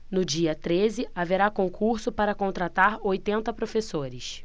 no dia treze haverá concurso para contratar oitenta professores